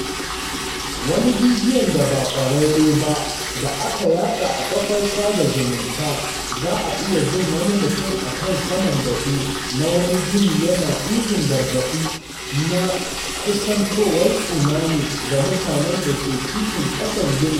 Wani bidiyon da ba ƙwararre ba da aka yaɗa ta kafar sada zumunta za a iya jin wani mutum a kan saman daɓe na wani gini yana ihun gargaɗi na kusantowar tsunami ga mutane da ke titin ƙasan ginin.